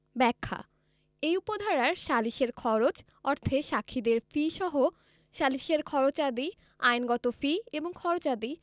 ব্যাখ্যা এই উপ ধারার সালিসের খরচ অর্থে সাক্ষীদের ফিসহ সালিসের খরচাদি আইনগত ফি এবং খরচাদি